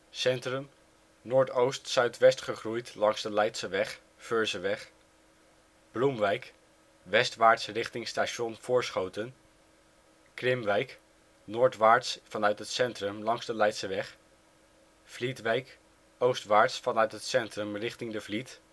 Centrum - noordoost-zuidwest gegroeid langs de Leidseweg, Veurseweg Bloemwijk - westwaarts richting Station Voorschoten Krimwijk - noordwaarts vanuit het Centrum langs de Leidseweg Vlietwijk - oostwaarts vanuit het Centrum richting de Vliet